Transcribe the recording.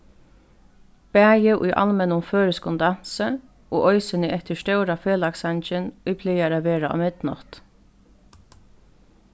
bæði í almennum føroyskum dansi og eisini eftir stóra felagssangin ið plagar at vera á midnátt